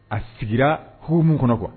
A sigira hukumu min kɔnɔ quoi